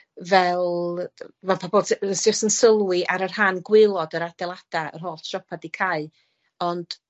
fel fatha bod sy- yy jyst yn sylwi ar y rhan gwaelod yr adeilada' yr holl siopa' 'di cau, ond